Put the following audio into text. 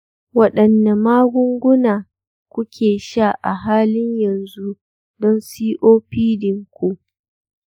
wadanne magunguna kuke sha a halin yanzu don copd ku?